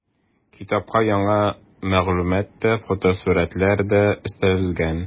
Китапка яңа мәгълүмат та, фотосурәтләр дә өстәлгән.